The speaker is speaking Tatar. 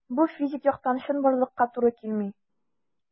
Бу физик яктан чынбарлыкка туры килми.